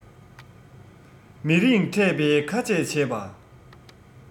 མི རིང ཕྲད པའི ཁ ཆད བྱས པ